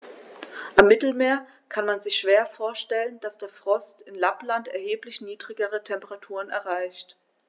Am Mittelmeer kann man sich schwer vorstellen, dass der Frost in Lappland erheblich niedrigere Temperaturen erreicht.